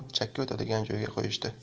olib chakka o'tadigan joyga qo'yishdi